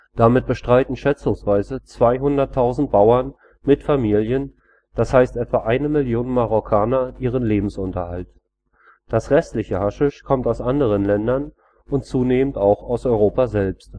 Damit bestreiten schätzungsweise 200.000 Bauern mit Familien, das heißt etwa eine Million Marokkaner, ihren Lebensunterhalt. Das restliche Haschisch kommt aus anderen Ländern und zunehmend auch aus Europa selbst